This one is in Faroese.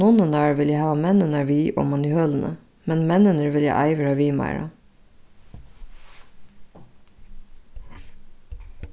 nunnurnar vilja hava menninar við oman í hølini men menninir vilja ei vera við meira